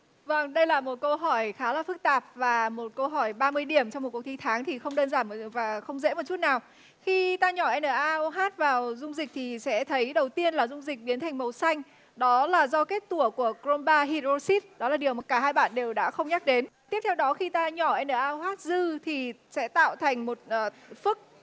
vâng đây là một câu hỏi khá là phức tạp và một câu hỏi ba mươi điểm trong một cuộc thi tháng thì không đơn giản và không dễ chút nào khi ta nhỏ en nờ a ô hát vào dung dịch thì sẽ thấy đầu tiên là dung dịch biến thành màu xanh đó là do kết tủa của cờ rôm ba hy đờ rô xít đó là điều mà cả hai bạn đều đã không nhắc đến tiếp theo đó khi ta nhỏ en nờ a ô hát dư thì sẽ tạo thành một ờ phức